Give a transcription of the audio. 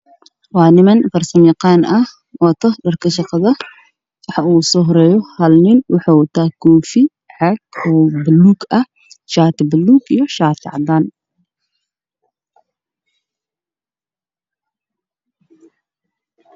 Waa niman farsamo yaqan ah wato dharka shaqada waxa ugu so horeyo hal nin wuxu wata kofi cag oo balug ah shaati baluug iyo shati cadan